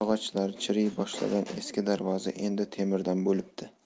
yog'ochlari chiriy boshlagan eski darvoza endi temirdan bo'libdi